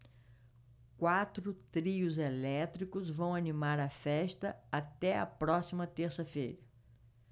quatro trios elétricos vão animar a festa até a próxima terça-feira